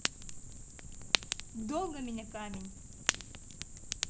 долго меня камень